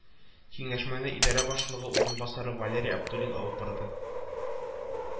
Киңәшмәне идарә башлыгы урынбасары Валерий Абдуллин алып барды